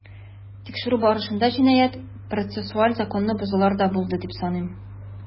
Тикшерү барышында җинаять-процессуаль законны бозулар да булды дип саныйм.